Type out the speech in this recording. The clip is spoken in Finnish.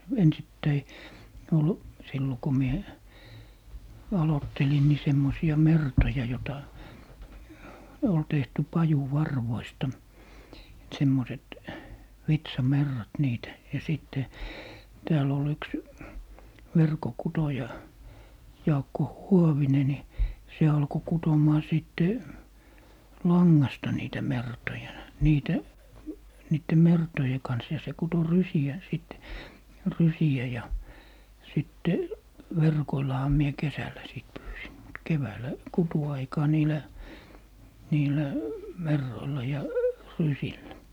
ensittäin oli silloin kun minä aloittelin niin semmoisia mertoja jota oli tehty pajunvarvoista semmoiset vitsamerrat niitä ja sitten täällä oli yksi verkonkutoja Jaakko Huovinen niin se alkoi kutomaan sitten langasta niitä mertoja niitä niiden mertojen kanssa ja se kutoi rysiä sitten rysiä ja sitten verkoillahan minä kesällä sitten pyysin mutta keväällä kutuaikaan niillä niillä merroilla ja rysillä